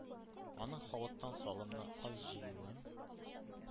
Аның халыктан салымны аз җыюын,